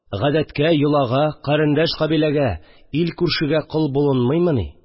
Гадәткә, йолага, карендәш-кабиләгә, ил-күршегә кол булынмыймыни